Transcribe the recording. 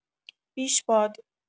بیش باد